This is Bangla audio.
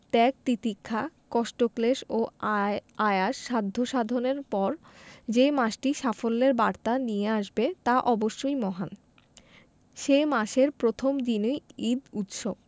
ত্যাগ তিতিক্ষা কষ্টক্লেশ ও আয়াস সাধ্য সাধনার পর যে মাসটি সাফল্যের বার্তা নিয়ে আসবে তা অবশ্যই মহান সে মাসের প্রথম দিনই ঈদ উৎসব